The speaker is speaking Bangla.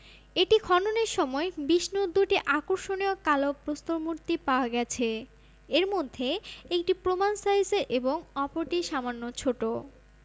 এটি খননের সময় বিষ্ণুর দুটি আকর্ষণীয় কালো প্রস্তর মূর্তি পাওয়া গেছে এর মধ্যে একটি প্রমাণ সাইজের এবং অপরটি সামান্য ছোট